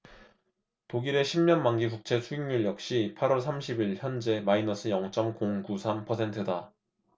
독일의 십 년 만기 국채 수익률 역시 팔 월 삼십 일 현재 마이너스 영 쩜 공 구 삼 퍼센트다